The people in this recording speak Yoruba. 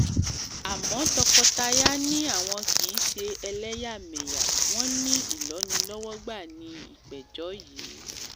Àmọ́ tọkọtaya ni àwọn kì í ṣe ẹlẹ́yàmẹyà. Wọn ní “ìlónilọ́wọ́gbà” ni ìpẹ́jọ yí.